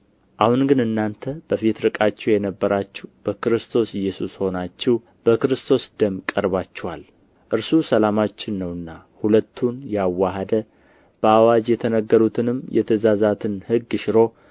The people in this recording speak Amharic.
አሁን ግን እናንተ በፊት ርቃችሁ የነበራችሁ በክርስቶስ ኢየሱስ ሆናችሁ በክርስቶስ ደም ቀርባችኋል እርሱ ሰላማችን ነውና ሁለቱን ያዋሐደ በአዋጅ የተነገሩትንም የትእዛዛትን ሕግ ሽሮ በ